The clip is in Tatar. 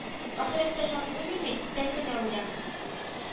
Ахирәттә җан үлми бит, тән генә үлә